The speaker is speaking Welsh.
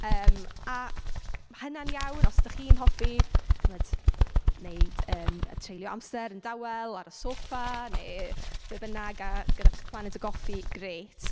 Yym, a mae hynna'n iawn, os dach chi'n hoffi, chimod, wneud yym... treulio amser yn dawel, ar y soffa, neu be bynnag, a gyda cwpaned o goffi, grêt.